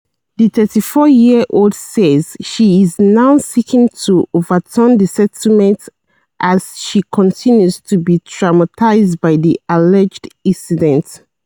The 34-year-old says she is now seeking to overturn the settlement as she continues to be traumatized by the alleged incident.